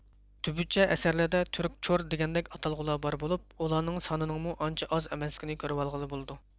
تۈبۈتچە ئەسەرلەردە تۈركچور دېگەندەك ئاتالغۇلار بار بولۇپ ئۇلارنىڭ سانىنىڭمۇ ئانچە ئاز ئەمەسلىكىنى كۆرۋالغىلى بولىدۇ